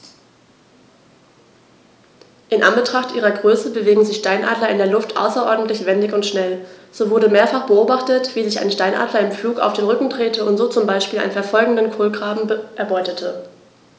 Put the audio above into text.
In Anbetracht ihrer Größe bewegen sich Steinadler in der Luft außerordentlich wendig und schnell, so wurde mehrfach beobachtet, wie sich ein Steinadler im Flug auf den Rücken drehte und so zum Beispiel einen verfolgenden Kolkraben erbeutete.